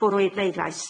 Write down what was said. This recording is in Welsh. bwrw i pleidlais?